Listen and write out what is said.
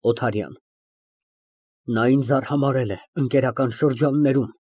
ՕԹԱՐՅԱՆ ֊ Նա ինձ արհամարհել է ընկերական շրջաններում։